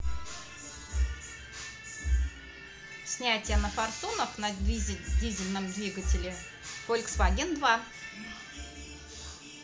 снятие на форсунок на дизельном двигателе фольксваген два